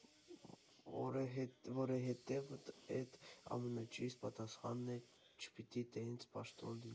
Որովհետև էդ ամենաճիշտ պատասխանն ա, չպիտի տենց պաշտոն լինի։